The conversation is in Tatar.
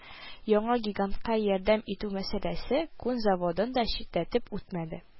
Яңа гигантка ярдәм итү мәсьәләсе күн заводын да читләтеп үтмәде